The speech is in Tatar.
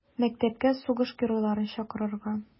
Мәктәпкә сугыш геройларын чакырырга.